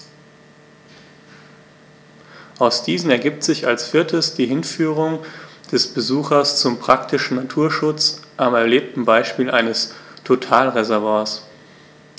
Aus diesen ergibt sich als viertes die Hinführung des Besuchers zum praktischen Naturschutz am erlebten Beispiel eines Totalreservats.